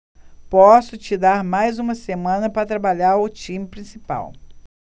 posso tirar mais uma semana para trabalhar o time principal